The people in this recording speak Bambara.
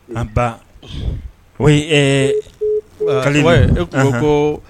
A ba o kaliba ye ko ko